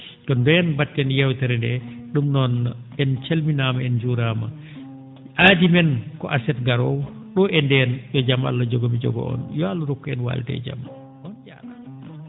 ko ndeen mba?eten yeewtere ndee ?um noon en calminaama en njuraama aadi men ko aset ngaroowo ?o e ndeen yo jam Allah jogo mi Jogoo on yo Allah rokku en waalde jam on njaaraama